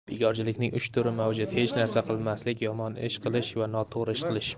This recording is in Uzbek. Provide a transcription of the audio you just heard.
bekorchilikning uch turi mavjud hech narsa qilmaslik yomon ish qilish va noto'g'ri ish qilish